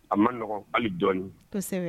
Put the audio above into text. A man nɔgɔn hali dɔɔnin kosɛbɛ